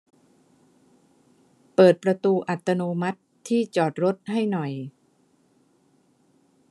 เปิดประตูอัตโนมัติที่จอดรถให้หน่อย